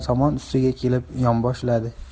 somon ustiga kelib yonboshladi